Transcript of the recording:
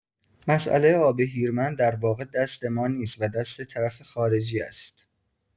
مساله آب هیرمند درواقع دست ما نیست و دست طرف خارجی است.